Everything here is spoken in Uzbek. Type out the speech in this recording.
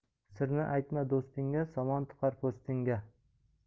sirni aytma do'stingga somon tiqar po'stingga